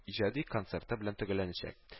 Иҗади концерты белән төгәлләнәчәк